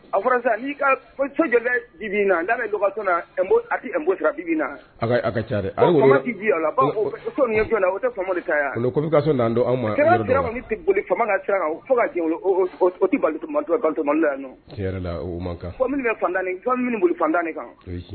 A fɔra sisan n'i ka na n'a dɔgɔtɔ iina ka ca ala o tɛ ma boli faamama ka siran kan fo kati balitoto yan bɛtanoli fantan kan